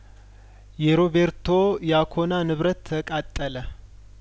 የሮቤርቶ ያኮና ንብረት ተቃጠለ